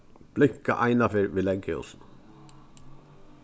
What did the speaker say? blinka eina ferð við langljósunum